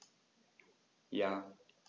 Ja.